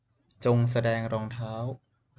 จงแสดงรองเท้า